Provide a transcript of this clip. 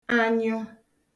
anyụ